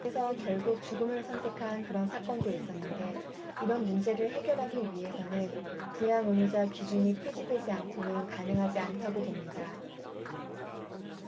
그래서 결국 죽음을 선택한 그런 사건도 있었는데 이런 문제를 해결하기 위해서는 부양의무자 기준이 폐지되지 않고는 가능하지 않다고 봅니다